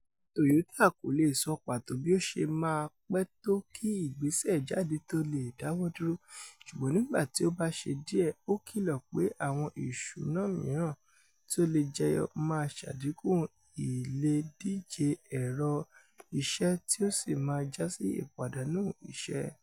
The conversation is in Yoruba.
Toyota kò le sọ pàtò bí ó ṣe máa pẹ́ tó kí ìgbéṣẹ́jáde tó le dáwọ́ dúró, ṣùgbọ́n nígbà tí ó bá ṣe díẹ̀, ó kìlọ̀ pé àwọn ìṣùnà mìràn tó le jẹyọ máa ṣàdínkù ìledíje ẹ̀rọ ìṣẹ́ tí ó sì máa jásí ìpàdánù iṣẹ́.